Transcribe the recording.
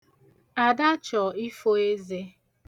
Ada chọ ifo eze.